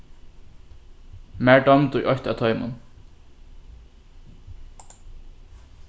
mær dámdi eitt av teimum